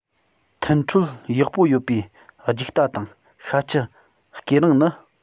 མཐུན འཕྲོད ཡག པོ ཡོད པའི རྒྱུག རྟ དང ཤྭ ཁྱི སྐེད རིང ནི